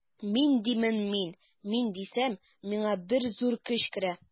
Мин димен мин, мин дисәм, миңа бер зур көч керә.